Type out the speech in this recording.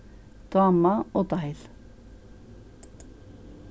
dáma og deil